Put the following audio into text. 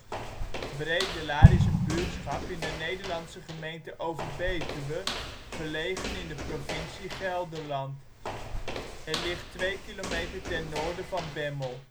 buurtschap in de Nederlandse gemeente Overbetuwe, gelegen in de provincie Gelderland. Het ligt 2 kilometer ten noorden van Bemmel